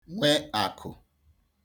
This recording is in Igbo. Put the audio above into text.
nwe àkụ̀